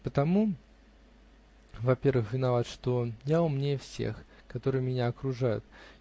Потому, во-первых, виноват, что я умнее всех, которые меня окружают.